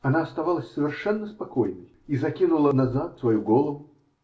Она осталась совершенно спокойной и закинула назад свою голову.